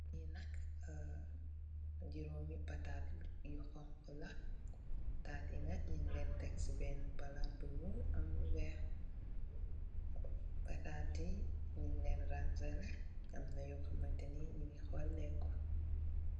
Li nak njoromi patat you konku la patat yi nak nyoung len tek ci benne palat bou nyull am lou weck patat yi nyoung len ransale amna ci nyom nyougui kollekou.